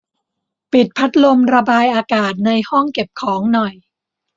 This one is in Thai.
ปิดพัดลมระบายอากาศในห้องเก็บของหน่อย